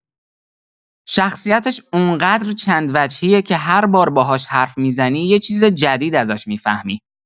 شخصیتش اونقدر چندوجهیه که هر بار باهاش حرف می‌زنی یه چیز جدید ازش می‌فهمی.